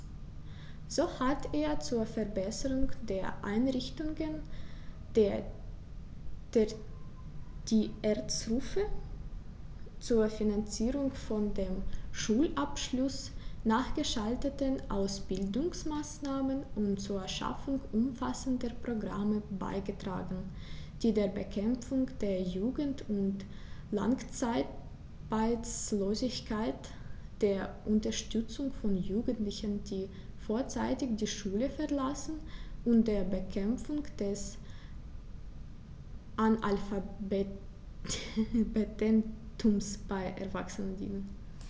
So hat er zur Verbesserung der Einrichtungen der Tertiärstufe, zur Finanzierung von dem Schulabschluß nachgeschalteten Ausbildungsmaßnahmen und zur Schaffung umfassender Programme beigetragen, die der Bekämpfung der Jugend- und Langzeitarbeitslosigkeit, der Unterstützung von Jugendlichen, die vorzeitig die Schule verlassen, und der Bekämpfung des Analphabetentums bei Erwachsenen dienen.